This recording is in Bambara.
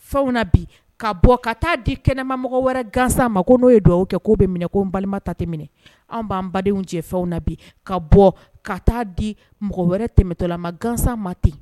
Fɛnw na bi ka bɔ ka taa di kɛnɛmamɔgɔ wɛrɛ gansan ma ko n'o ye dugawu kɛ k'o bɛ minɛ ko n balimaw ta tɛ minɛ anw b'an badenw jɛ fɛnw na bi ka bɔ ka taa di mɔgɔ wɛrɛ tɛmɛmɛtɔlama gansan ma ten